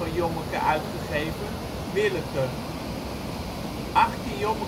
Jommeke uitgegeven: Willeke. Achttien